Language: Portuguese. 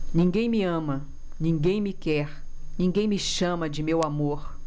ninguém me ama ninguém me quer ninguém me chama de meu amor